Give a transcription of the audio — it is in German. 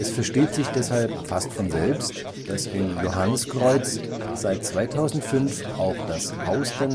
versteht sich deshalb fast von selbst, dass in Johanniskreuz seit 2005 auch das Haus der